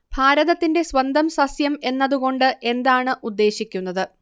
ഭാരതത്തിന്റെ സ്വന്തം സസ്യം എന്നതു കൊണ്ട് എന്താണ് ഉദ്ദേശിക്കുന്നത്